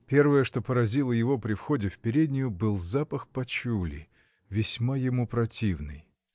Первое, что поразило его при входе в переднюю, был запах пачули, весьма ему противный